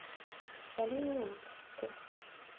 салют т